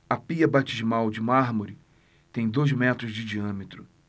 a pia batismal de mármore tem dois metros de diâmetro